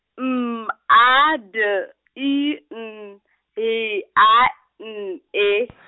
M A D I N, Y A N E .